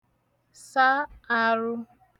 sa arụ